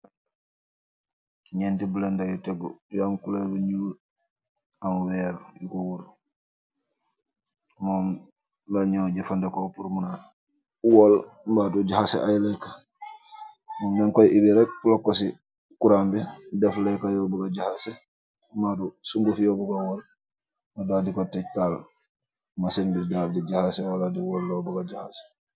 Njenti blender yu tegu yu am couleur bu njull, am werre buu, mom leh njur jeufandehkor pur munah wohll mba du jahaseh aiiy lekah, mom dang koi oubi rk pluck kor cii kurang bi, deff lekah yor buga jahaseh, mba du suunguff yor buga wohll nga daal di kor taech daal, machine bi daal dii jahaseh wala di wohll lor buga jahaseh.